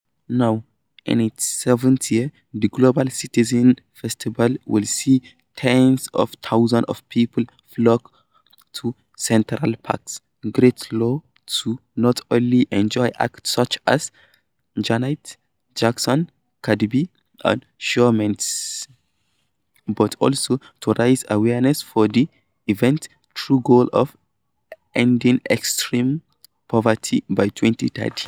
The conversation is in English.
Now in its seventh year, the Global Citizen Festival will see tens of thousands of people flock to Central Park's Great Lawn to not only enjoy acts such as Janet Jackson, Cardi B and Shawn Mendes, but also to raise awareness for the event's true goal of ending extreme poverty by 2030.